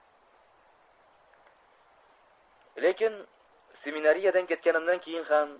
lekin seminariyadan ketganimdan keyin ham